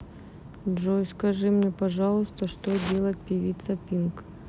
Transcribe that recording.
джой скажи мне пожалуйста что делать певица пинк